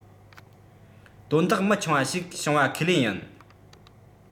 དོན དག མི ཆུང བ ཞིག བྱུང བ ཁས ལེན ཡིན